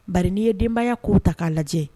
Ba n' ye denbayaya k'o ta k'a lajɛ